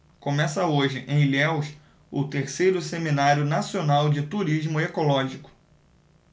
começa hoje em ilhéus o terceiro seminário nacional de turismo ecológico